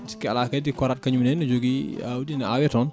sikki ala kadi korat kañum nene ne joogui awdi ne awe toon